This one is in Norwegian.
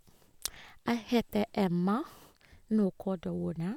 Jeg heter Emma Norkor Duwuona.